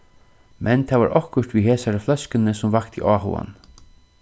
men tað var okkurt við hesari fløskuni sum vakti áhugan